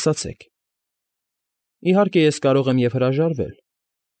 Ասացեք։ Իհարկե, ես կարող եմ և հրաժարվել։